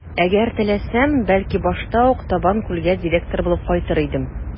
Әгәр теләсәм, бәлки, башта ук Табанкүлгә директор булып кайтыр идем.